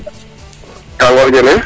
ka Ngor Dione ne